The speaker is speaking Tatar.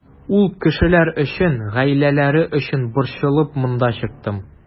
Ул кешеләр өчен, гаиләләре өчен борчылып монда чыктым.